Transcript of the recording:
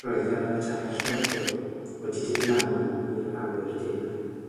roedd fel petai'r llofrudd wedi diflannu i'r awyr denau.